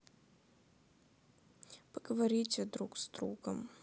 поговорите друг с другом